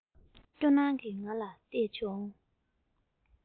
སྐྱོ སྣང གིས ང ལ བལྟས བྱུང